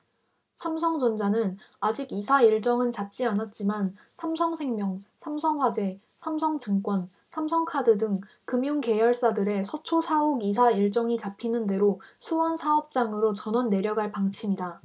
삼성전자는 아직 이사 일정은 잡지 않았지만 삼성생명 삼성화재 삼성증권 삼성카드 등 금융계열사들의 서초 사옥 이사 일정이 잡히는 대로 수원사업장으로 전원 내려갈 방침이다